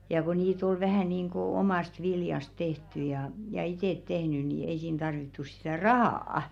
ja kun niitä oli vähän niin kuin omasta viljasta tehty ja ja itse tehnyt niin ei siinä tarvittu sitä rahaa